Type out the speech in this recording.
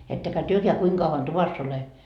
ettekä tekään kuinka kauan tuvassa ole